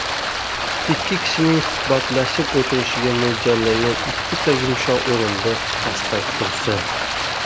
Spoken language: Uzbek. ikki kishining suhbatlashib o'tirishiga mo'ljallangan ikkita yumshoq o'rindiq pastak kursi